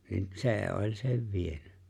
niin se oli sen vienyt